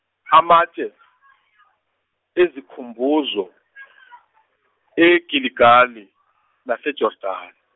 amatshe , ezikhumbuzo eGiligali, naseJordani.